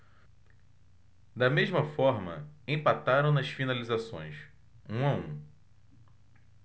da mesma forma empataram nas finalizações um a um